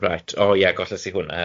Right o ie golles i hwnna yfe.